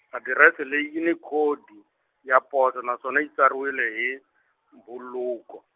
adirese leyi yini khodi, ya poso naswona yi tsariwile hi, mbhuluko.